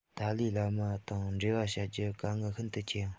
ཏཱ ལའི བླ མ དང འབྲེལ བ བྱ རྒྱུ དཀའ ངལ ཤིན ཏུ ཆེ ཡང